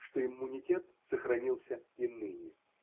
что иммунитет сохранился и ныне?